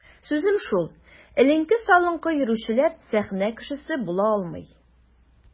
Сүзем шул: эленке-салынкы йөрүчеләр сәхнә кешесе була алмый.